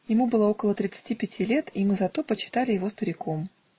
Ему было около тридцати пяти лет, и мы за то почитали его стариком.